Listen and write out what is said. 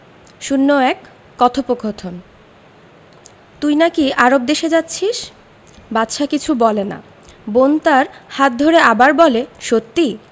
০১ কথোপকথন তুই নাকি আরব দেশে যাচ্ছিস বাদশা কিছু বলে না বোন তার হাত ধরে আবার বলে সত্যি